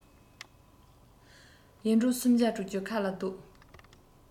ཡེ འབྲོག སུམ བརྒྱ དྲུག ཅུའི ཁ ལ བཟློག